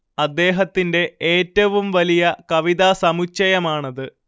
അദ്ദേഹത്തിന്റെ ഏറ്റവും വലിയ കവിതാ സമുച്ചയമാണത്